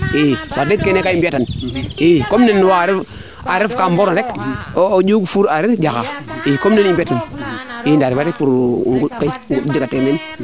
i wax deg keene ka i mbiya tan comme nene areer of kaa mboor rek o njung fuur areer njaxa i comme nene i mbiya tun nda a refa ref nguɗ koy